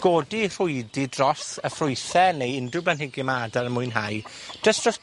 godi rhwydi dros y ffrwythe neu unryw blanhigion ma' adar yn mwynhau jys dros